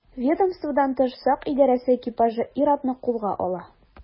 Ведомстводан тыш сак идарәсе экипажы ир-атны кулга ала.